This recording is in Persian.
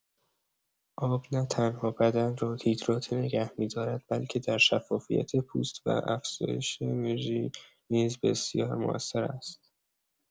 آب نه‌تنها بدن را هیدراته نگه می‌دارد بلکه در شفافیت پوست و افزایش انرژی نیز بسیار مؤثر است.